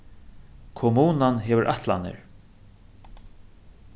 kommunan hevur ætlanir